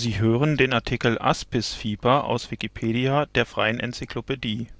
hören den Artikel Aspisviper, aus Wikipedia, der freien Enzyklopädie